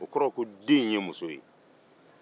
o kɔrɔ ko den in ye muso ye